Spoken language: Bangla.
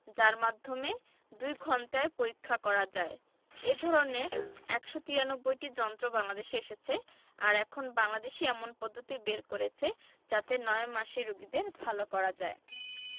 যার মাধ্যমে দুই ঘণ্টায় পরীক্ষা করা যায় এ ধরনের ১৯৩টি যন্ত্র বাংলাদেশে এসেছে আর এখন বাংলাদেশই এমন পদ্ধতি বের করেছে যাতে ৯ মাসেই রোগীদের ভালো করা যায়